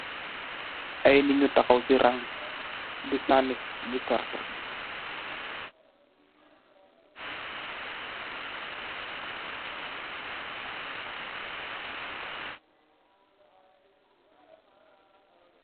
Ay nit ñju taxaw ci rag fi sanni karta.